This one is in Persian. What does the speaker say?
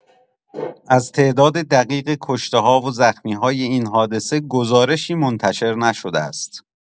از تعداد دقیق کشته‌ها و زخمی‌های این حادثه گزارشی منتشر نشده است.